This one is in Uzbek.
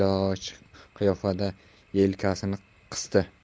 noiloj qiyofada yelkasini qisdi